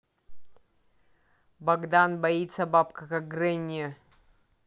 богдан боится бабка как гренни